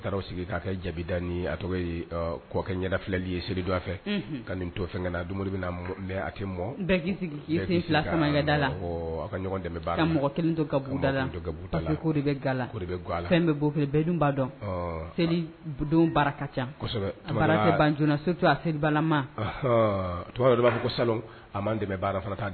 Ka nin tomo filakɛda la a ka mɔgɔ kelen toda ga la fɛn bɛ bɔ dunba dɔn seli ca banjnatu a selilama tu dɔ b'a fɔ ko sa a ma dɛmɛ baara